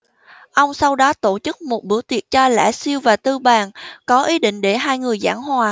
ông sau đó tổ chức một bữa tiệc cho lã siêu và tư bàn có ý định để hai người giảng hòa